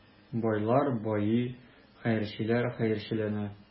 Байлар байый, хәерчеләр хәерчеләнә.